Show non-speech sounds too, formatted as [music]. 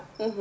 [hesitation] [hesitation]